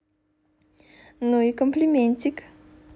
ну и комплиментик